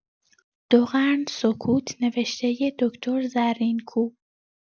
دو قرن سکوت نوشتۀ دکتر زرین‌کوب